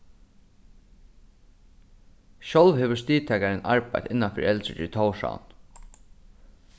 sjálv hevur stigtakarin arbeitt innanfyri eldraøkið í tórshavn